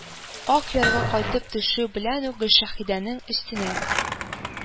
Акъярга кайтып төшүе белән үк, Гөлшәһидәнең өстенә